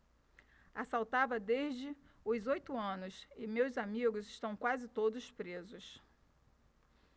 assaltava desde os oito anos e meus amigos estão quase todos presos